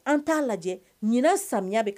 An t'a lajɛ ɲina samiya bɛ